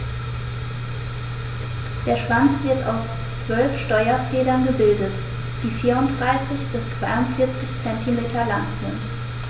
Der Schwanz wird aus 12 Steuerfedern gebildet, die 34 bis 42 cm lang sind.